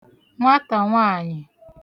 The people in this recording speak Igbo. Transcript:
nwatànwaanyị